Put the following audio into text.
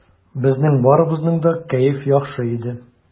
Безнең барыбызның да кәеф яхшы иде.